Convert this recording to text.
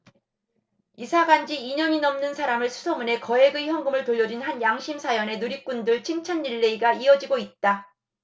이사 간지 이 년이 넘는 사람을 수소문해 거액의 현금을 돌려준 한 양심 사연에 누리꾼들 칭찬릴레이가 이어지고 있다